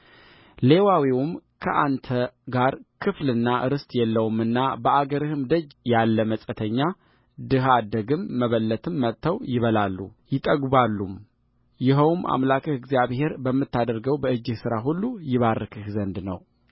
ሌዋዊውም ከአንተ ጋር ክፍልና ርስት የለውምና በአገርህም ደጅ ያለ መጻተኛ ድሀ አደግም መበለትም መጥተው ይበላሉ ይጠግባሉም ይኸውም አምላክህ እግዚአብሔር በምታደርገው በእጅህ ሥራ ሁሉ ይባርክህ ዘንድ ነው